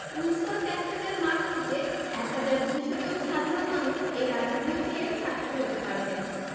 Windsor ক্যাসেলের মাঠ থেকে ১হাজার ২০০ জন সাধারণ মানুষ এই রাজকীয় বিয়ের সাক্ষী হতে পারবেন